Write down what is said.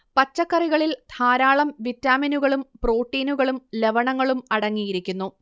പച്ചക്കറികളിൽ ധാരാളം വിറ്റാമിനുകളും പ്രോട്ടീനുകളും ലവണങ്ങളും അടങ്ങിയിരിക്കുന്നു